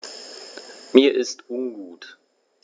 Mir ist ungut.